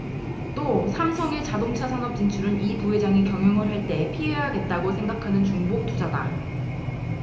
또 삼성의 자동차 산업 진출은 이 부회장이 경영을 할 때 피해야겠다고 생각하는 중복 투자다